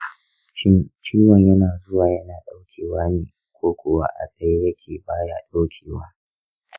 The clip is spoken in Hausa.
shin ciwon yana zuwa yana ɗaukewa ne ko kuwa a tsaye yake ba ya ɗaukewa?